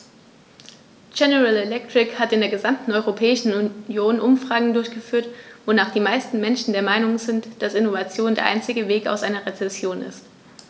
General Electric hat in der gesamten Europäischen Union Umfragen durchgeführt, wonach die meisten Menschen der Meinung sind, dass Innovation der einzige Weg aus einer Rezession ist.